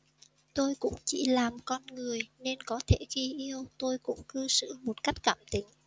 tôi cũng chỉ là con người nên có thể khi yêu tôi cũng cư xử một cách cảm tính